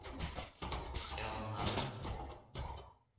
Ә аннары